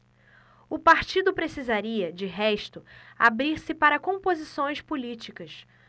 o partido precisaria de resto abrir-se para composições políticas